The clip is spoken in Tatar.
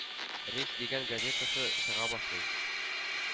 “речь” дигән газетасы чыга башлый.